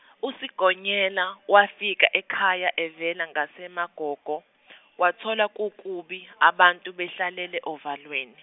uSigonyela wafika ekhaya evela ngaseMagogo, wathola kukubi abantu behlalele ovalweni.